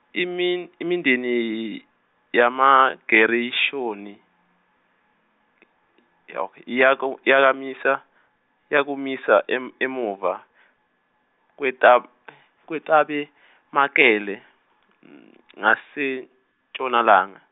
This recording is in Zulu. imi- imindeni yamaGereshoni yakamisa yakumisa e- emuva kweta- kweTabemakele ngaseNtshonalanga.